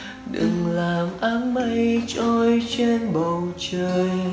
đừng làm áng mây trôi trên bầu trời